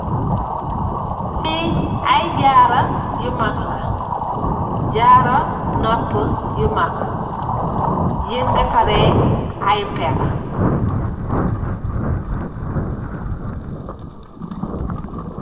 Li ay jarra yu mak la. Jarra nopuh yu mak yin defaree ay péér .